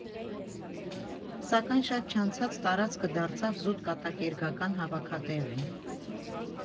Սակայն շատ չանցած տարածքը դարձավ զուտ կատակերգական հավաքատեղի։